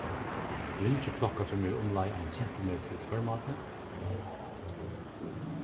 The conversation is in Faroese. ringiklokka sum er umleið ein sentimetur í tvørmáti